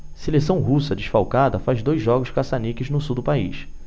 seleção russa desfalcada faz dois jogos caça-níqueis no sul do país